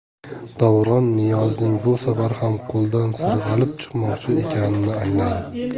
davron niyozning bu safar ham qo'ldan sirg'alib chiqmoqchi ekanini angladi